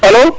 alo